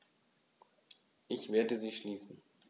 Ich werde sie schließen.